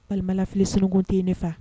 Balimafili sunkun tɛ ne faga